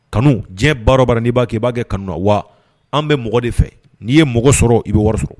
Kanu diɲɛ baara o baara n'i b'a kɛ i b'a kɛ kanu na wa an bɛ mɔgɔ de fɛ n'i ye mɔgɔ sɔrɔ i bɛ wari sɔrɔ.